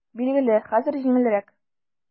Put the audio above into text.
Билгеле, хәзер җиңелрәк.